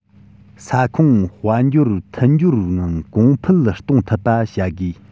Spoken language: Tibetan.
ས ཁོངས དཔལ འབྱོར མཐུན སྦྱོར ངང གོང འཕེལ གཏོང ཐུབ པ བྱ དགོས པ